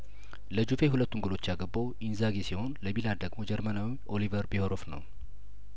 ለጁቬ ሁለቱን ጐሎች ያገባው ኢንዛጊ ሲሆን ለሚላን ደግሞ ጀርመናዊው ኦሊቨር ቢዬርሆፍ ነው